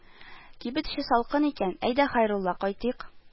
Кибет эче салкын икән, әйдә, Хәйрулла, кайтыйк,